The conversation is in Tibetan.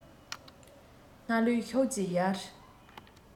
སྣ ལུད ཤུགས ཀྱིས ཡར